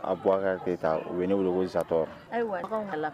A bon an ŋa essayer tan u be ne wele ko Zatɔ ayiwa